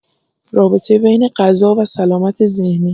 رابطه بین غذا و سلامتی ذهنی